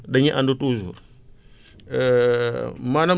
dañuy ànd toujours maanaam